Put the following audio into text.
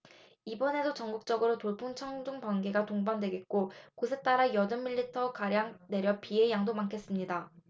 이번에도 전국적으로 돌풍 천둥 번개가 동반되겠고 곳에 따라 여든 밀리미터 가량 내려 비의 양도 많겠습니다